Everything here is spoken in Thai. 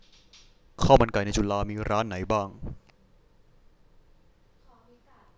ข้าวมันไก่ในจุฬามีร้านไหนบ้าง